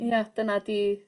...ia dyna 'di